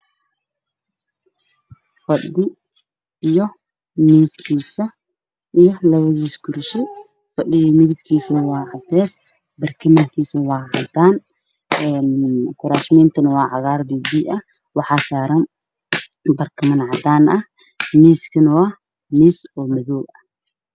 Waa qol waxaa yaalla fadhi midabkiisii yahay caddaan miis madow ah wuxuu leeyahay daawo farabadan waana aqoon qurux badan